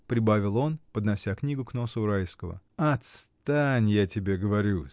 — прибавил он, поднося книгу к носу Райского. — Отстань, я тебе говорю!